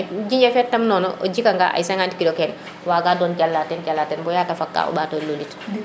jinjeer fe tamit nono a jika nga ay 50 kilos kene waga doon jala ten jala ten bala te xew